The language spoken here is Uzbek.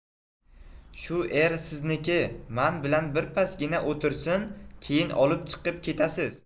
shu er sizniki man bilan birpasgina o'tirsin keyin olib chiqib ketasiz